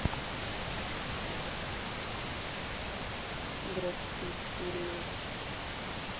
бред пит фильмы